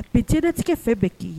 Ka diyanatigɛ fɛn bɛɛ k'i